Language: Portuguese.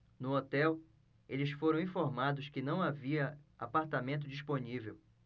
no hotel eles foram informados que não havia apartamento disponível